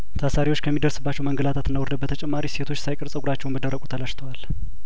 ታሳሪዎች ከሚደርስባቸው መንገላታትና ውርደት በተጨማሪ ሴቶች ሳይቀር ጸጉራቸውን በደረቁ ተላጭተዋል